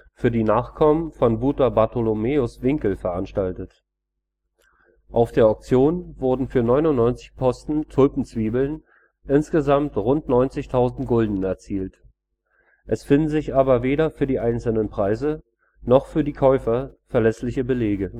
für die Nachkommen von Wouter Bartholomeusz Winckel veranstaltet. Auf der Auktion wurden für 99 Posten Tulpenzwiebeln insgesamt rund 90.000 Gulden erzielt. Es finden sich aber weder für die einzelnen Preise noch für die Käufer verlässliche Belege